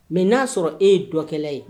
Mais n'a sɔrɔ e ye dɔkɛla ye